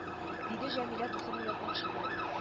Диде җәмилә дусын оялтмакчы булып